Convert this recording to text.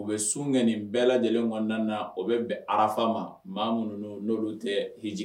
U bɛ sun kɛ nin bɛɛ lajɛlen kɔnd na o bɛ bɛn arafa ma maa ŋ n'oolu tɛ h jigin